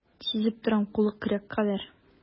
Сизеп торам, кулы көрәк кадәр.